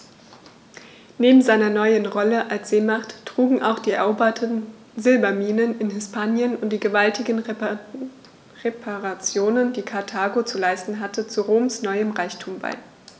Neben seiner neuen Rolle als Seemacht trugen auch die eroberten Silberminen in Hispanien und die gewaltigen Reparationen, die Karthago zu leisten hatte, zu Roms neuem Reichtum bei.